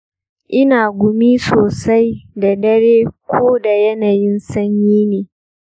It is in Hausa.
ina gumi sosai da dare ko da yanayin sanyi ne.